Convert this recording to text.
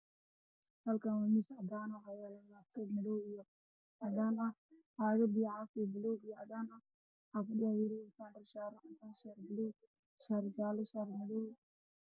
Halkaan waa miis cadaan ah waxaa yaalo laptop